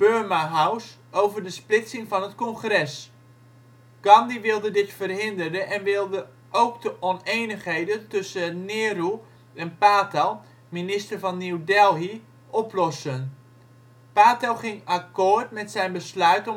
House over de splitsing van het Congres. Gandhi wilde dit verhinderen en wilde ook de onenigheden tussen Nehru en Patel, minister van New Delhi, oplossen. Patel ging akkoord met zijn besluit